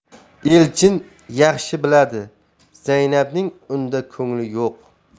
elchin yaxshi biladi zaynabning unda ko'ngli yo'q